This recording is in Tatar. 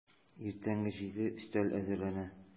Иртәнге җиде, өстәл әзерләнә.